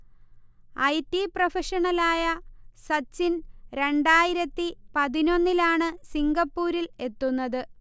I. T പ്രൊഫഷണലായ സച്ചിൻ രണ്ടായിരത്തി പതിനൊന്നിലാണ് സിംഗപ്പൂരിൽ എത്തുന്നത്